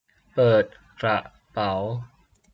เปิดกระเป๋า